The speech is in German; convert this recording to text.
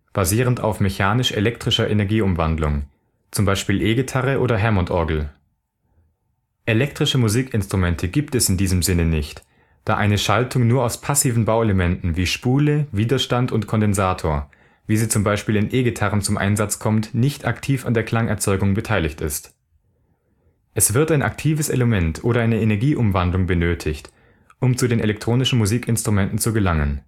basierend auf mechanisch-elektrischer Energieumwandlung (z. B. E-Gitarre, Hammondorgel). „ Elektrische “Musikinstrumente gibt es in diesem Sinne nicht, da eine Schaltung nur aus passiven Bauelementen wie Spule, Widerstand und Kondensator, wie sie zum Beispiel in E-Gitarren zum Einsatz kommt nicht aktiv an der Klangerzeugung beteiligt ist. Es wird ein aktives Element oder eine Energieumwandlung benötigt und zu den elektronischen Musikinstrumenten zu gelangen